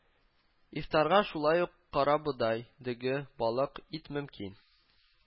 Ифтарга шулай ук карабодай, дөге, балык, ит мөмкин